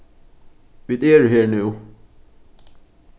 vit eru her nú